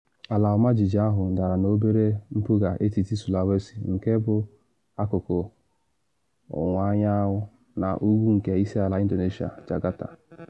Ala ọmajiji ahụ dara na obere mpụga etiti Sulawesi nke bụ akụkụ ọwụwa anyanwụ na ugwu nke isi ala Indonesia, Jakarta.